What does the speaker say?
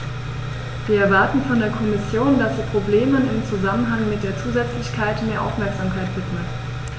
Wir erwarten von der Kommission, dass sie Problemen im Zusammenhang mit der Zusätzlichkeit mehr Aufmerksamkeit widmet.